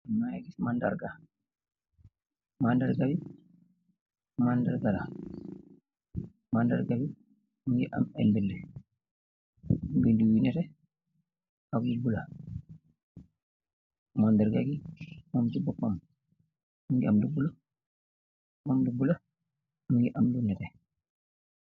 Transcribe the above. Magi giss mandarga yi mandarga la mugi amm ay benda benda yu neeteh ak lu bulo mandarga bi momm si bopam mogi am lu bulo mugi amm lu neeteh.